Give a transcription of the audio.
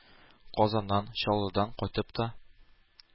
Казаннан, Чаллыдан кайтып та